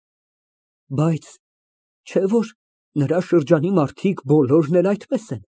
Բայց չէ՞ որ նրա շրջանի մարդիկ բոլորն էլ այդպես են։